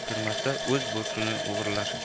kirmasa o'z bo'rkini o'g'irlar